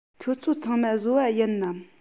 ཁྱོད ཚོ ཚང མ བཟོ པ ཡིན ནམ